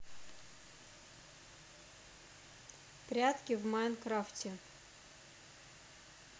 прятки в майнкрафте